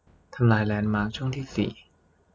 ทำลายแลนด์มาร์คช่องที่สี่